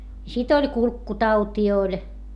sitten oli kurkkutautia oli